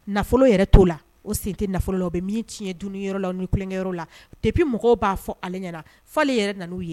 Nafolo yɛrɛ t'o la o sen tɛ nafolo o bɛ min tiɲɛ dun yɔrɔ la n nikɛyɔrɔ la debi mɔgɔw b'a fɔ ale ɲɛna fɔale yɛrɛ n'u ye